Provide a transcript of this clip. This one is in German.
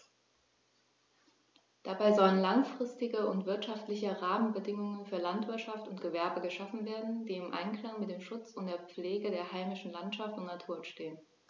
Dabei sollen langfristige und wirtschaftliche Rahmenbedingungen für Landwirtschaft und Gewerbe geschaffen werden, die im Einklang mit dem Schutz und der Pflege der heimischen Landschaft und Natur stehen.